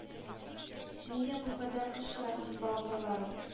Нигә бу кадәр кычкырасыз балакайларым